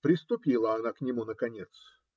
Приступила она к нему наконец